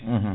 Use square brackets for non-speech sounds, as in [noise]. [hesitation] [hesitation]